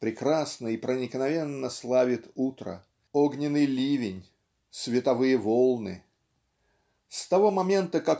прекрасно и проникновенно славит утро огненный ливень световые волны. С того момента